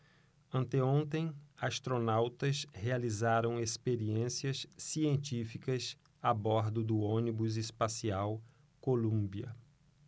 anteontem astronautas realizaram experiências científicas a bordo do ônibus espacial columbia